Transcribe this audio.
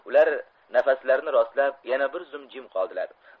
ular nafaslarini rostlab yana bir zum jim qoldilar